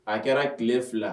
A kɛra tile fila